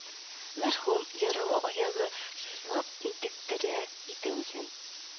Мәрхүм, яралы аягы сызлап интектерә иде үзен